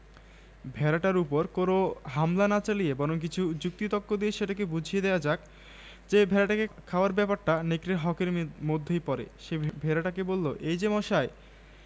রাবেয়া আমাকে তুমি বলে আমার প্রতি তার ব্যবহার ছোট বোন সুলভ সে আমার কথা মন দিয়ে শুনলো কিছুক্ষণ ধরেই বালিশের গায়ে চাদর জড়িয়ে সে একটা পুতুল তৈরি করছিলো আমার কথায় তার ভাবান্তর হলো না